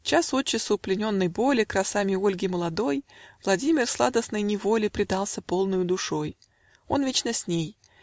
Час от часу плененный боле Красами Ольги молодой, Владимир сладостной неволе Предался полною душой. Он вечно с ней.